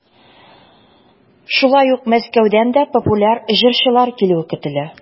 Шулай ук Мәскәүдән дә популяр җырчылар килүе көтелә.